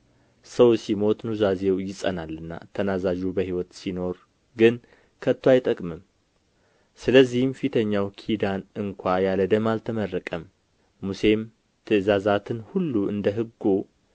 ሰው ሲሞት ኑዛዜው ይጸናልና ተናዛዡ በሕይወት ሲኖር ግን ከቶ አይጠቅምም ስለዚህም ፊተኛው ኪዳን እንኳ ያለ ደም አልተመረቀም ሙሴም ትእዛዛትን ሁሉ እንደ ሕጉ